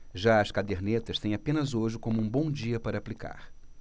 já as cadernetas têm apenas hoje como um bom dia para aplicar